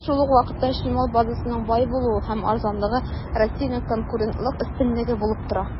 Шул ук вакытта, чимал базасының бай булуы һәм арзанлыгы Россиянең конкурентлык өстенлеге булып тора.